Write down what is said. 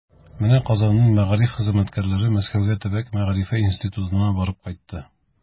Менә Казаннан мәгариф хезмәткәрләре Мәскәүгә Төбәк мәгарифе институтына барып кайтты.